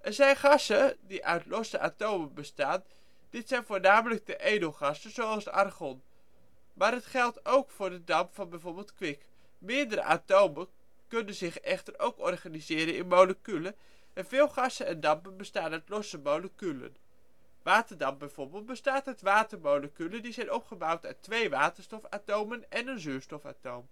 zijn gassen die uit losse atomen bestaan, dit zijn voornamelijk de edelgassen, zoals argon, maar het geldt ook voor de damp van bijvoorbeeld kwik. Meerdere atomen kunnen zich echter ook organiseren in moleculen en veel gassen en dampen bestaan uit losse moleculen. Waterdamp bijvoorbeeld bestaat uit watermoleculen die zijn opgebouwd uit twee waterstofatomen en één zuurstofatoom